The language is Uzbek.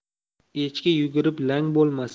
echki yugurib lang bo'lmas